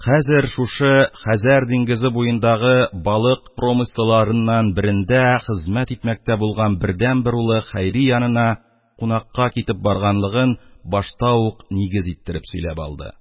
Хәзер шушы хәзәр диңгезе3+ буендагы балык промыслаларыннан берендә хезмәт итмәктә булган бердәнбер улы хәйри янына кунакка китеп барганлыгын башта ук нигез иттереп сөйләп алды.